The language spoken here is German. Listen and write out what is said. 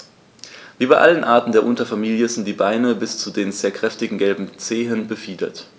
Wie bei allen Arten der Unterfamilie sind die Beine bis zu den sehr kräftigen gelben Zehen befiedert.